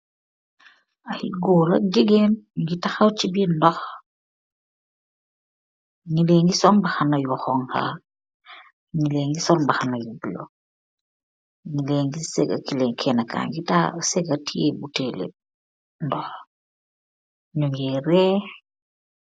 Ay Goor ak jigeen yu taxaw si birr ndoh nyee lee gi sol mbaxana yu xonxa nyee lee gi sol mbaxana yu blue nyi lee gi sega kenen ka gi sega tiyeh botale ndox nyu geh ree.